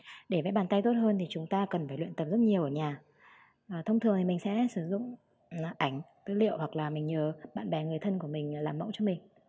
để vẽ bàn tay tốt hơn thì chúng ta cần phải luyện tập rất nhiều ở nhà và thông thường thì mình sẽ sử dụng ảnh tư liệu hoặc là nhờ bạn bè người thân của mình làm mẫu cho mình